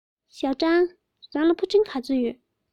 ཞའོ ཀྲང རང ལ ཕུ འདྲེན ག ཚོད ཡོད